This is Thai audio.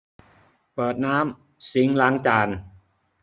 เปิดน้ำซิงค์ล้างจาน